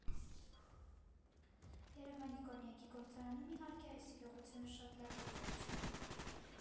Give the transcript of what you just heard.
Երևանի կոնյակի գործարանում, իհարկե, այս իրողությունը շատ լավ գիտակցում են։